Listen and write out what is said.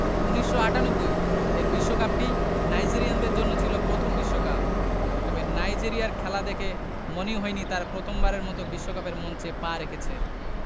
১৯৯৮ এর বিশ্বকাপটি নাইজেরিয়ানদের জন্য ছিল প্রথম বিশ্বকাপ তবে নাইজেরিয়ার খেলা দেখে মনেই হয়নি তারা প্রথমবারের মতো বিশ্বকাপের মঞ্চে পা রেখেছে